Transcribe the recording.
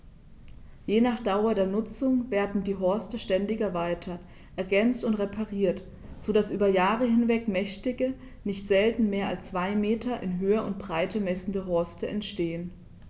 Je nach Dauer der Nutzung werden die Horste ständig erweitert, ergänzt und repariert, so dass über Jahre hinweg mächtige, nicht selten mehr als zwei Meter in Höhe und Breite messende Horste entstehen.